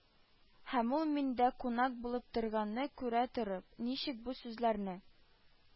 Һәм ул миндә кунак булып торганны күрә торып, ничек бу сүзләрне